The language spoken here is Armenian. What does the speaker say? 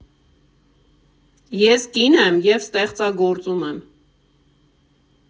Ես կին եմ, և ստեղծագործում եմ։